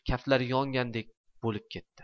kaftlari yongandek bo'lib ketdi